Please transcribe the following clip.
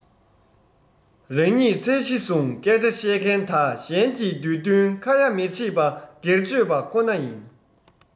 རང ཉིད ཚད གཞི བཟུང སྐད ཆ བཤད མཁན དག གཞན གྱི འདོད འདུན ཁ ཡ མི བྱེད པ སྒེར གཅོད པ ཁོ ན ཡིན